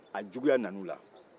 a juguya nana u la